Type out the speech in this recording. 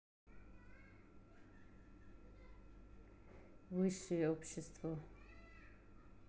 высшее общество